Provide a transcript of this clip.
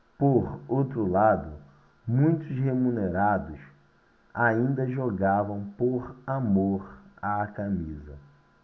por outro lado muitos remunerados ainda jogavam por amor à camisa